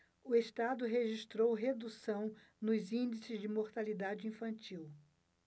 o estado registrou redução nos índices de mortalidade infantil